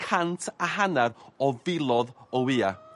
cant a hanner o filodd o wya.